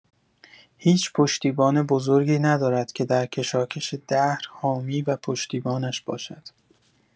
هیچ پشتیبان بزرگی ندارد که در کشاکش دهر حامی و پشتیبانش باشد.